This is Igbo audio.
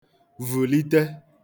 vùlite